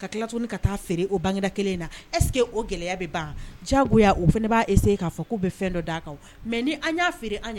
ka tilat ka taa feere o bangeda kelen in na ɛseke o gɛlɛya bɛ ban ja diyagoya o fana b'ase k'a k'u bɛ fɛn dɔ d' a kan mɛ ni an y'a feere an